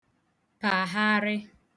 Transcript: pàharị